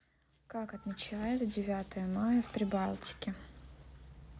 как отмечает девятое мая в прибалтике